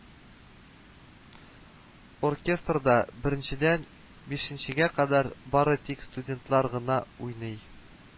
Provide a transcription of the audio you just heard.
Оркестрда беренчедән бишенчегә кадәр бары тик студентлар гына уйный